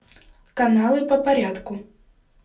каналы по порядку